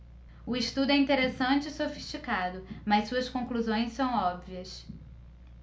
o estudo é interessante e sofisticado mas suas conclusões são óbvias